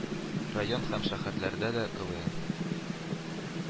Район һәм шәһәрләрдә дә КэВээН